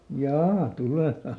jaa tulee vai